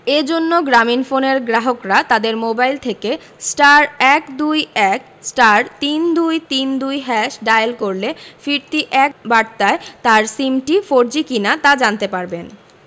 এ জন্য গ্রামীণফোনের গ্রাহকরা তাদের মোবাইল থেকে *১২১*৩২৩২# ডায়াল করলে ফিরতি এক বার্তায় তার সিমটি ফোরজি কিনা তা জানতে পারবেন